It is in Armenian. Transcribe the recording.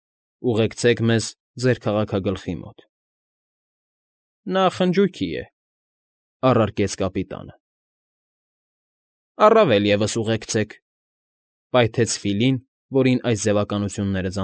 Ուղեկցեք մեզ ձեր քաղաքագլխի մոտ։ ֊ Նա խնջույքի է,֊ առարկեց կապիտանը։ ֊ Առավել ևս, ուղեկցեք,֊ պայթեց Ֆիլին, որին այս ձևականությունները։